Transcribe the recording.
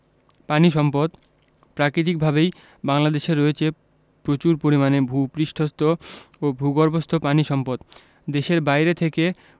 পানি সম্পদঃ প্রাকৃতিকভাবেই বাংলাদেশের রয়েছে প্রচুর পরিমাণে ভূ পৃষ্ঠস্থ ও ভূগর্ভস্থ পানি সম্পদ দেশের বাইরে থেকে